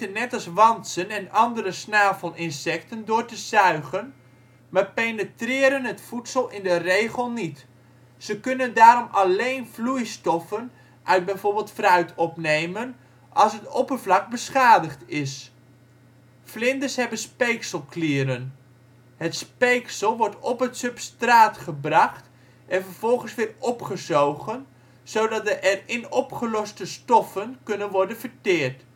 net als wantsen en andere snavelinsecten door te zuigen, maar penetreren het voedsel in de regel niet. Ze kunnen daarom alleen vloeistoffen uit bijvoorbeeld fruit opnemen als het oppervlak beschadigd is. Vlinders hebben speekselklieren. Het speeksel wordt op het substraat gebracht en vervolgens weer opgezogen zodat de erin opgeloste stoffen kunnen worden verteerd